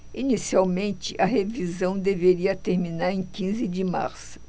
inicialmente a revisão deveria terminar em quinze de março